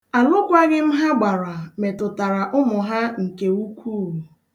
Alụkwaghị m ha gbara metụtara ụmụ ha nke ukwuu.